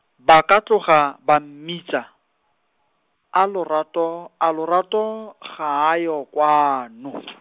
ba ka tloga ba mmitsa, a Lorato, a Lorato ga a yo kwano?